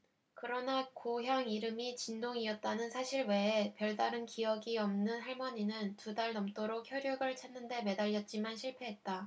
그러나 고향 이름이 진동이었다는 사실 외에 별다른 기억이 없는 할머니는 두 달 넘도록 혈육을 찾는 데 매달렸지만 실패했다